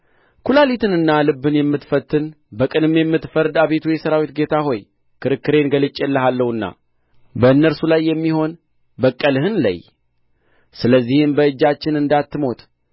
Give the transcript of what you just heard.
ኵላሊትንና ልብን የምትፈትን በቅንም የምትፈርድ አቤቱ የሠራዊት ጌታ ሆይ ክርክሬን ገልጬልሃለሁና በእነርሱ ላይ የሚሆን በቀልህን ለይ ስለዚህም በእጃችን እንዳትሞት